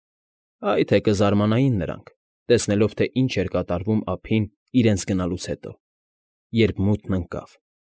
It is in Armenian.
Այ թե կզարմանային նրանք, տեսնելով, թե ինչ էր կատարվում ափին իրենց գնալուց հետո, երբ մութն ընկավ։